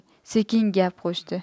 sekin gap qo'shdi